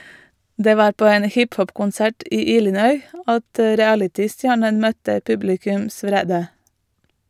Det var på en hiphop-konsert i Illinois at realitystjernen møtte publikums vrede.